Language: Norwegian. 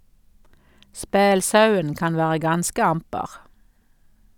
Spælsauen kan være ganske amper.